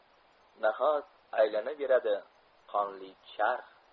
nahot aylanaveradi qonli charx